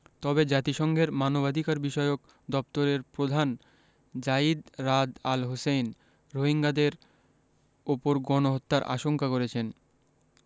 তবে জাতিসংঘের মানবাধিকারবিষয়ক দপ্তরের প্রধান যায়িদ রাদ আল হোসেইন রোহিঙ্গাদের ওপর গণহত্যার আশঙ্কা করেছেন